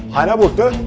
her er borte.